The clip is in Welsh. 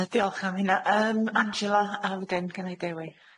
Ie diolch am hynna yym Angela a wedyn gynna i Dewi.